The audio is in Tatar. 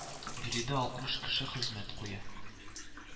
Биредә алтмыш кеше хезмәт куя